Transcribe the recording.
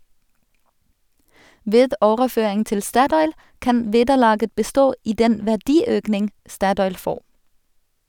Ved overføring til Statoil kan vederlaget bestå i den verdiøkning Statoil får.